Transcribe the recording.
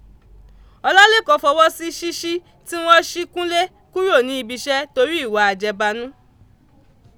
Ọlálékan fọwọ́ sí ṣíṣí tí wọ́n ṣí Kúnlé kúrò ní ibiṣẹ́ torí ìwà àjẹbanú.